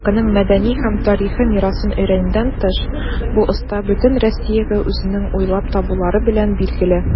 Үз халкының мәдәни һәм тарихи мирасын өйрәнүдән тыш, бу оста бөтен Россиягә үзенең уйлап табулары белән билгеле.